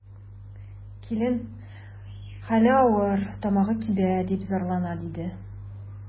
Килен: хәле авыр, тамагым кибә, дип зарлана, диде.